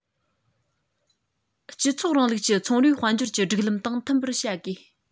སྤྱི ཚོགས རིང ལུགས ཀྱི ཚོང རའི དཔལ འབྱོར གྱི སྒྲིག ལམ དང མཐུན པར བྱ དགོས